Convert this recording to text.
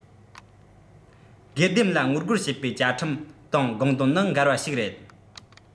སྒེར སྡེམ ལ ངོ རྒོལ བྱེད པའི བཅའ ཁྲིམས དང དགོངས དོན ནི འགལ བ ཞིག རེད